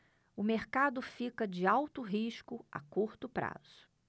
o mercado fica de alto risco a curto prazo